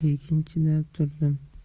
lekin chidab turdim